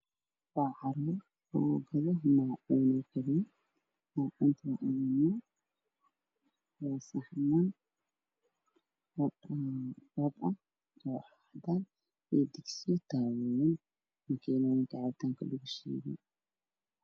Waa saxman meel saaran oo midafkoodii cadaan meesha waa iska faallo iyo makiinada wax lagu shiido